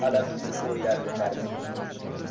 alamli o'ylar o'tardi